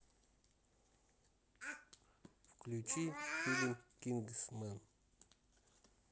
включи фильм кингсман